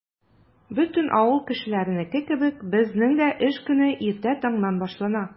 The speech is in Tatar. Бөтен авыл кешеләренеке кебек, безнең дә эш көне иртә таңнан башлана.